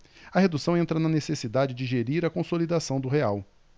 a redução entra na necessidade de gerir a consolidação do real